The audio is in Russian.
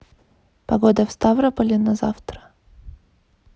погода в ставрополе на завтра